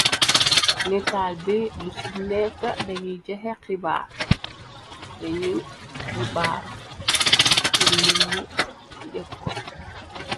Netaal bi ñu ci nekka dañu joxe xibaar, dañu xibaar pur nin ñi jëk ko.